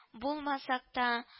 Булмасак та